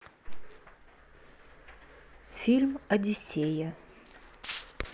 фильм одиссея